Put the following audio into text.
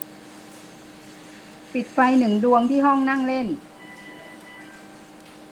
ปิดไฟหนึ่งดวงที่ห้องนั่งเล่น